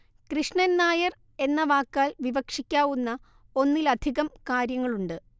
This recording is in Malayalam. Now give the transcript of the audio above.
കൃഷ്ണൻ നായർ എന്ന വാക്കാൽ വിവക്ഷിക്കാവുന്ന ഒന്നിലധികം കാര്യങ്ങളുണ്ട്